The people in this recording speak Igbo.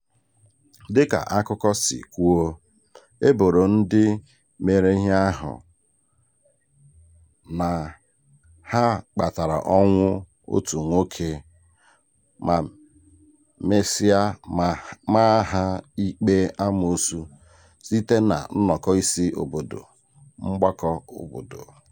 Dịka akụkọ si kwuo, eboro ndị emere ihe ahụ na ha kpatara ọnwụ otu nwoke ma mesịa maa ha ikpe amoosu site na nnọkọ isi obodo (mgbakọ obodo).